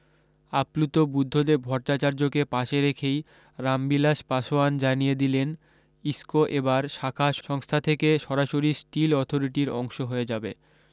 আপ্লুত বুদ্ধদেব ভট্টাচার্যকে পাশে রেখেই রামবিলাস পাসোয়ান জানিয়ে দিলেন ইসকো এবার শাখা সংস্থা থেকে সরাসরি স্টিল অথরিটির অংশ হয়ে যাবে